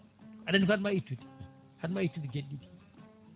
aɗa andi ko hatma ittude hatma ittude ko gueɗe ɗiɗi